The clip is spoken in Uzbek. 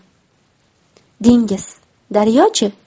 dengiz daryo chi